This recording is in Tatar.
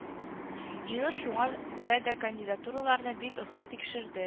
Җыелыш шуңар күрә дә кандидатураларны бик озак тикшерде